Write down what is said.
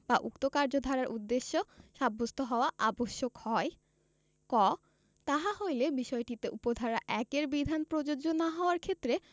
বা উক্ত কার্যধারার উদ্দেশ্যে সাব্যস্ত হওয়া আবশ্যক হয় ক তাহা হইলে বিষয়টিতে উপ ধারা ১ এর বিধান প্রযোজ্য না হওয়ার ক্ষেত্রে